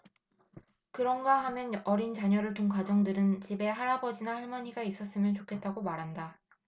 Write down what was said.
그런가 하면 어린 자녀를 둔 가정들은 집에 할아버지나 할머니가 있었으면 좋겠다고 말한다